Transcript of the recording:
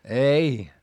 ei